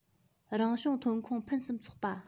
རང བྱུང ཐོན ཁུངས ཕུན སུམ ཚོགས པ